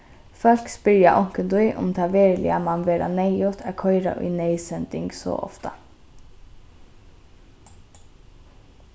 fólk spyrja onkuntíð um tað veruliga man vera neyðugt at koyra í neyðsending so ofta